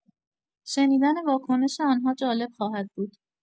شنیدن واکنش آن‌ها جالب خواهد بود.